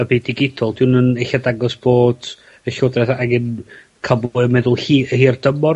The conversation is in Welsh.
y byd digidol, 'di wnna'n ella dangos bod y Llwodraeth angen ca'l bobol i meddwl hi- yy hirdymor,